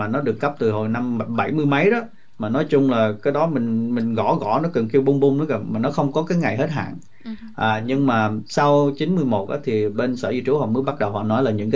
mà nó được cấp từ hồi năm bảy mươi mấyđó mà nói chung là cái đó mình mình gõ gõ nó cần kêu bum bum mới gặp mà nó không có cái ngày hết hạn ạ nhưng mà sau chín mười một có thể bên sở di trú mới bắt đầu họ nói là những